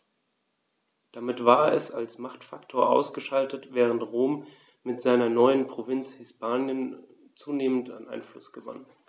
Damit war es als Machtfaktor ausgeschaltet, während Rom mit seiner neuen Provinz Hispanien zunehmend an Einfluss gewann.